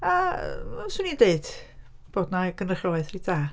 A byswn i'n dweud bod 'na gynrychiolaeth reit dda.